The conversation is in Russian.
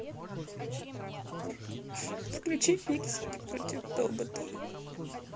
включи фиксики против тоботов